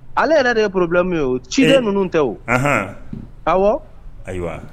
Ale yɛrɛ de ye problême ye ciden ninnu tɛ o , anhan, awɔ, ayiwa